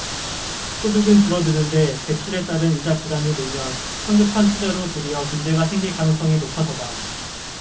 소득은 줄어드는데 대출에 따른 이자 부담이 늘면 성급한 투자로 도리어 문제가 생길 가능성이 높아서다